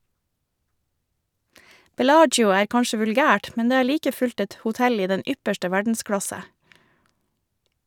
Bellagio er kanskje vulgært, men det er like fullt et hotell i den ypperste verdensklasse.